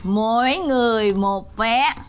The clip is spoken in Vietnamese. mỗi người một vé